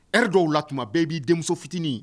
R dɔww la tuma bɛɛ b'i denmuso fitinin